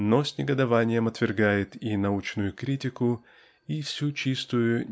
но с негодованием отвергает и научную критику и всю чистую